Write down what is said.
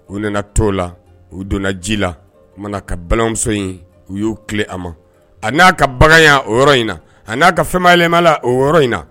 U nana to la u donna ji la . Kumana ka balimamuso in u yi kien a ma . A na ka bagan ya o yɔrɔ in na a na ka fɛn ma yɛlɛmala o yɔrɔ in na.